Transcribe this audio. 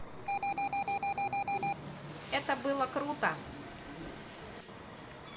это было круто